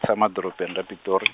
tshama edorobeni ra Pitori.